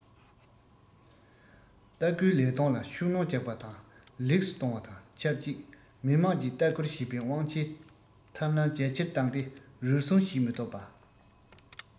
ལྟ སྐུལ ལས དོན ལ ཤུགས སྣོན རྒྱག པ དང ལེགས སུ གཏོང བ དང ཆབས ཅིག མི དམངས ཀྱིས ལྟ སྐུལ བྱེད པའི དབང ཆའི ཐབས ལམ རྒྱ ཆེར བཏང སྟེ རུལ སུངས བྱེད མི ཐུབ པ